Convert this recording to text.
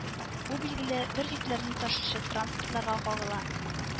Бу билгеле бер йөкләрне ташучы транспортларга кагыла